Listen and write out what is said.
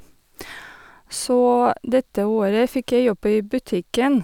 Så dette året fikk jeg jobb i butikken.